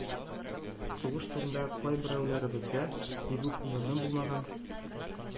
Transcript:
Сугыш турында кайберәүләребезгә бигүк мәгълүм булмаган